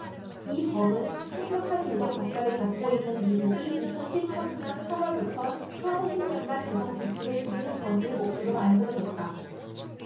이 법은 심각한 재정적자를 겪고 있는 미국이 이천 십 삼 년 삼 월부터 향후 십 년간 재정지출을 줄이는 것을 목표로 만들어졌다